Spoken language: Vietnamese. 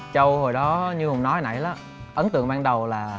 châu hồi đó như hùng nói nãy đó ấn tượng ban đầu là